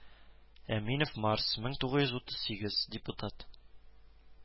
Әминов Марс мең тугыз йөз утыз сигез, депутат